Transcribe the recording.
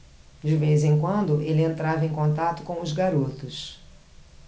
de vez em quando ele entrava em contato com os garotos